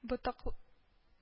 Ботак